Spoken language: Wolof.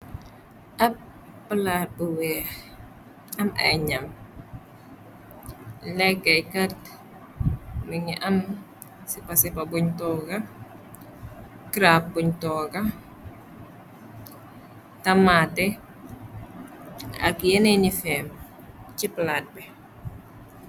Ab palaat bu weex am ay nyiam, leggay kat mi ngi am ci pasipa buñ tooga ,krap buñ tooga, tamaté ak yenee ni feem , ci palaat bi.